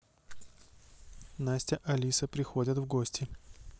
настя алиса приходят гости